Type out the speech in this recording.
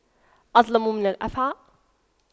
أظلم من أفعى